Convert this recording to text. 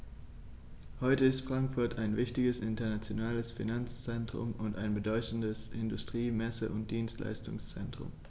Heute ist Frankfurt ein wichtiges, internationales Finanzzentrum und ein bedeutendes Industrie-, Messe- und Dienstleistungszentrum.